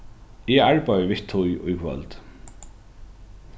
eg arbeiði við tí í kvøld